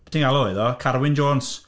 Pwy ti'n galw oedd o, Carwyn Jones.